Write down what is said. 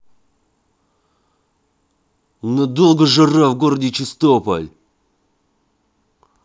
на долго жара в городе чистополь